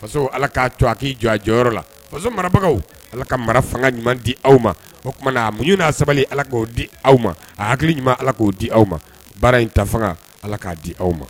Faso ala ka to a k'i jɔ a jɔyɔrɔyɔrɔ la faso marabagaw ala ka mara fanga ɲuman di aw ma o t tumaumana muɲ n'a sabali ala k'o di aw ma a hakili ɲuman ala k'o di aw ma baara in ta fanga ala k'a di aw ma